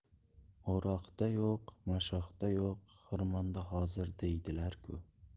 o'roqdayo'q mashoqda yo'q xirmonda hozir deydilar ku